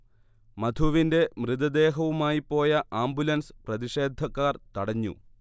മധുവിന്റെ മൃതദേഹവുമായി പോയ ആംബുലൻസ് പ്രതിഷേധക്കാർ തടഞ്ഞു